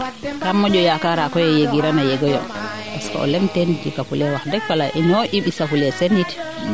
kaa moƴo yakaaraye koy yegiran a yegoyo parce que o leŋ teen jika fulee wax deg ino i mbisa fule sen yit